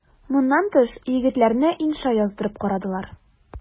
Моннан тыш егетләрне инша яздырып карадылар.